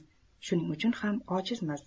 shuning uchun ham ojizmiz